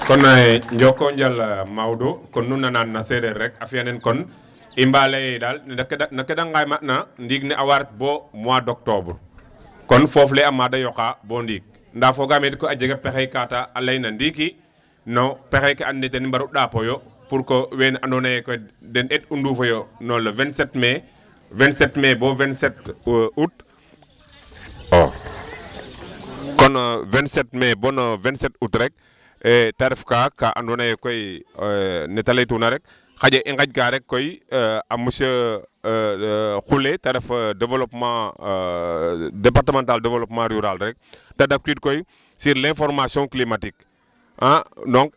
kon